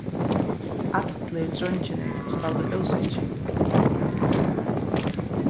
allir dreingirnir spældu ósekir